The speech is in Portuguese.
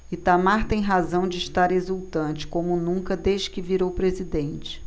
itamar tem razão de estar exultante como nunca desde que virou presidente